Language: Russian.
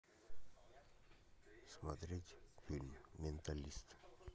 смотреть фильм менталист